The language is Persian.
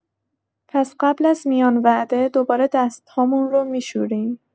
پس قبل از میان‌وعده دوباره دست‌هامون رو می‌شوریم.